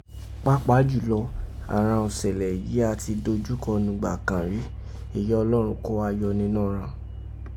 papa julo àghan isẹlẹ yìí a ti dojuko nùgbakàn ri èyí ọlọ́rọn kó wa yọ ninọ́ ghan